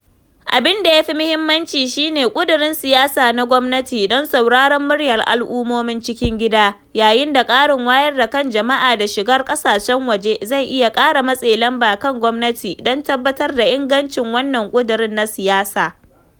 Abin da ya fi muhimmanci shi ne ƙudurin siyasa na gwamnati don sauraron muryar al'ummomin cikin gida, yayin da ƙarin wayar da kan jama'a da shigar ƙasashen waje zai iya ƙara matsa lamba kan gwamnati don tabbatar da ingancin wannan ƙudurin na siyasa.